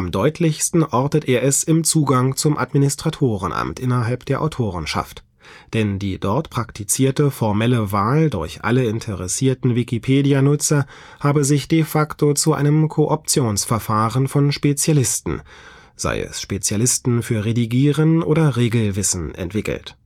deutlichsten ortet er es im Zugang zum Administratorenamt innerhalb der Autorenschaft. Denn die dort praktizierte formelle Wahl durch alle interessierten WP-Nutzer habe sich de facto zu einem Kooptationsverfahren von Spezialisten, sei es Spezialisten für Redigieren oder Regelwissen, entwickelt